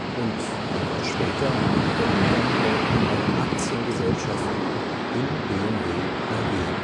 und ein Jahr später, nach der Umwandlung in eine Aktiengesellschaft, in BMW AG